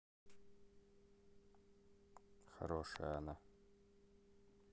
хорошая она